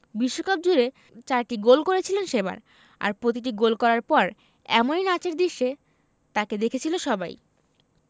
বিশ্বকাপজুড়ে চারটি গোল করেছিলেন সেবার আর প্রতিটি গোল করার পর এমনই নাচের দৃশ্যে তাঁকে দেখেছিলেন সবাই